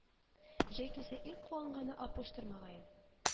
Җәй килсә иң куанганы апуштыр мөгаен